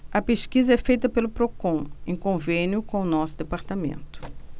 a pesquisa é feita pelo procon em convênio com o diese